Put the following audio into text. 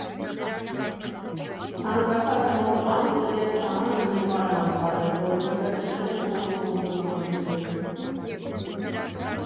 Ցանկացած նոր բան իրենց համար դժվար ա ընկալել, որովհետև չեն էլ փորձում ուսումնասիրել։